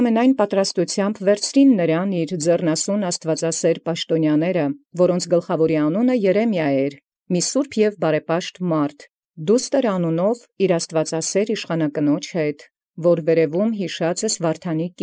Զոր և առեալ վաղվաղակի ամենայն հանդերձելովք՝ ձեռնասուն աստուածասէր պաշտաւնէիցն իւրոց, որոց գլխաւորին Երեմիա անուն ճանաչէր, այր սուրբ և բարեպաշտաւն, հանդերձ աստուածասէր իշխանակնաւ միով, որ անուանեալ կոչէր Դուստր, որ էր կին Վարդանայ,